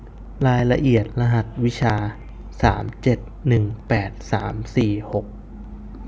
รายละเอียดรหัสวิชาสามเจ็ดหนึ่งแปดสามสี่หก